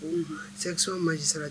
bureau dun. section magistrate